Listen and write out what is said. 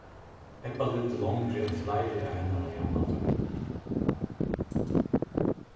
ebba livdi longri enn fleiri av hennara javnaldrar